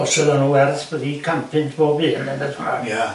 Os odda nhw werth be 'di can punt bob un... Ia.